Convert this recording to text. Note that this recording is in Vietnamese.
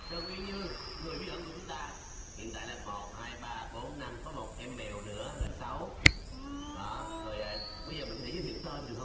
trần uyên như người bí ẩn của chúng ta hiện tại là một hai ba bốn năm có một em mèo nữa là sáu đó rồi à bây giờ mình có thể giới thiệu tên được hông